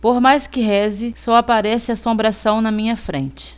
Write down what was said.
por mais que reze só aparece assombração na minha frente